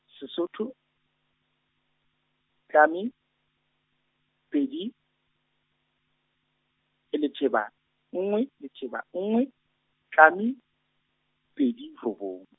Sesotho, tlame, pedi, ke letheba, nngwe letheba nngwe, tlame, pedi, robong.